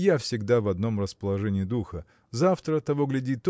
– я всегда в одном расположении духа. Завтра того гляди